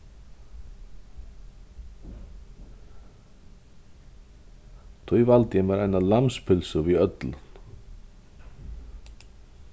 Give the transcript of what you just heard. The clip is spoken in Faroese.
tí valdi eg mær eina lambspylsu við øllum